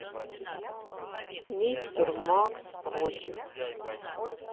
мистер макс против